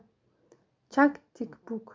chak tik puk